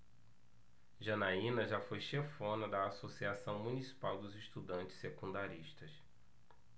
janaina foi chefona da ames associação municipal dos estudantes secundaristas